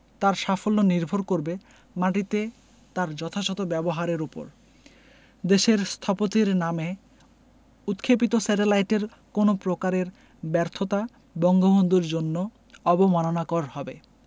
তার সাফল্য নির্ভর করবে মাটিতে তার যথাযথ ব্যবহারের ওপর দেশের স্থপতির নামে উৎক্ষেপিত স্যাটেলাইটের কোনো প্রকারের ব্যর্থতা বঙ্গবন্ধুর জন্য অবমাননাকর হবে